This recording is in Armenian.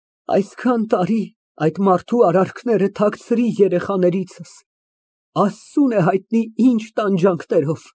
Այսքան տարի այդ մարդու արարքները թաքցրի երեխաներիցս, Աստծուն է հայտնի ինչ տանջանքներով։